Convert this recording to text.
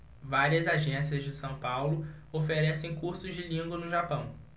várias agências de são paulo oferecem cursos de língua no japão